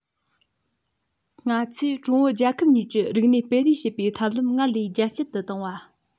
ང ཚོས ཀྲུང ཨུ རྒྱལ ཁབ གཉིས ཀྱི རིག གནས སྤེལ རེས བྱེད པའི ཐབས ལམ སྔར ལས རྒྱ སྐྱེད དུ བཏང བ